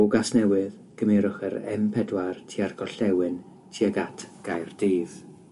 O Gasnewydd gymerwch yr em pedwar tua'r gorllewin tuag at Gaerdydd.